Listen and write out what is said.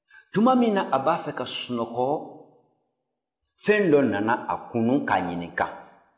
tuma min a b'a fɛ ka sunɔgɔ fɛn dɔ nana a kunun k'a ɲininka